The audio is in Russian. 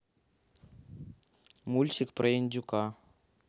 мультик про индюка